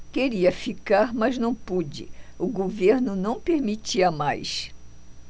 queria ficar mas não pude o governo não permitia mais